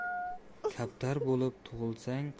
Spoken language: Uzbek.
kaptar bo'lib tug'ilsang